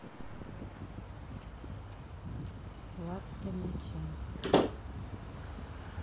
латте моча